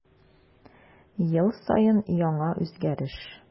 Ел саен яңа үзгәреш.